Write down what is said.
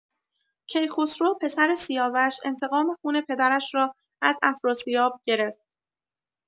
کیخسرو، پسر سیاوش، انتقام خون پدرش را از افراسیاب گرفت.